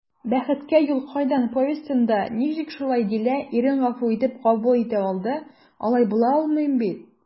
«бәхеткә юл кайдан» повестенда ничек шулай дилә ирен гафу итеп кабул итә алды, алай була алмый бит?»